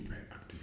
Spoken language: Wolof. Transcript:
ay activités